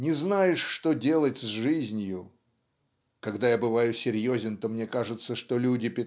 "не знаешь, что Делать с жизнью" "когда я бываю серьезен то мне кажется что люди